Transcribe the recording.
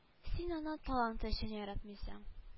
Син аны таланты өчен яратмыйсың